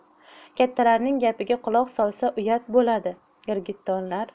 kattalarning gapiga quloq solsa uyat bo'ladi girgittonlar